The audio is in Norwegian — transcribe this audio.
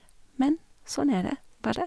Men sånn er det bare.